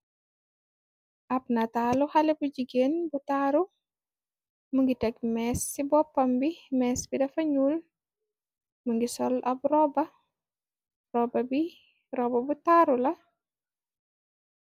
ab nataalu xale bu jigeen bu taaru mu ngi teg mees ci boppam bi mees bi dafa ñuul mu ngi sol abm rooba bu taaru la.